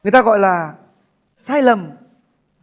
người ta gọi là sai lầm